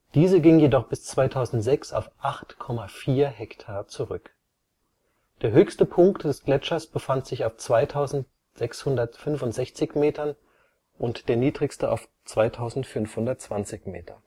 Diese ging jedoch bis 2006 auf 8,4 ha zurück. Der höchste Punkt des Gletschers befand sich auf 2665 und der niedrigste auf 2520 m